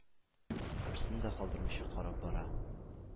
Берсен дә калдырмыйча карап бара,